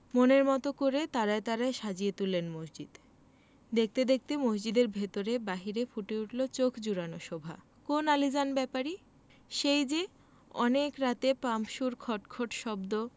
মনের মতো করে তারায় তারায় সাজিয়ে তুললেন মসজিদ দেখতে দেখতে মসজিদের ভেতরে বাইরে ফুটে উঠলো চোখ জুড়োনো শোভা কোন আলীজান ব্যাপারী সেই যে অনেক রাতে পাম্পসুর খট খট শব্দ